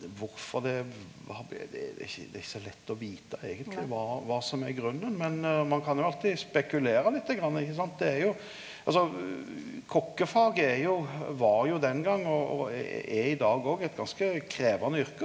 kvifor det det det er ikkje det er ikkje så lett og vita eigentleg kva kva som er grunnen, men ein kan jo alltid spekulera lite grann ikkje sant, det er jo altså kokkefaget er jo var jo den gong og og er i dag òg eit ganske krevjande yrke.